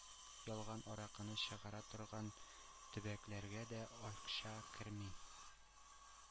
Ялган аракыны чыгара торган төбәкләргә дә акча керми.